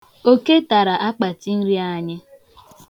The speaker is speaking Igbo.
Oke takara akpatinri anyị.